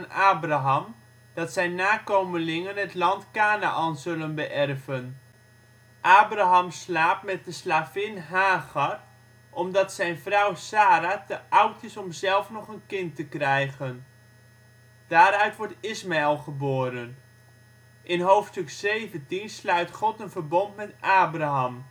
Abraham dat zijn nakomelingen het land Kanaän zullen beërven. Abraham slaapt met de slavin Hagar, omdat zijn vrouw Sara te oud is om zelf nog een kind te krijgen. Daaruit wordt Ismael geboren. In hoofdstuk 17 sluit God een verbond met Abraham